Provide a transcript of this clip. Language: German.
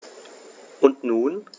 Und nun?